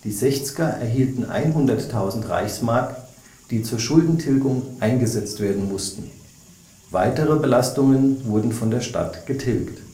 Sechzger erhielten 100.000 Reichsmark, die zur Schuldentilgung eingesetzt werden mussten, weitere Belastungen wurden von der Stadt getilgt